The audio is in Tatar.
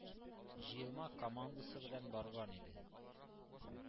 Җыелма командасы белән барган иде.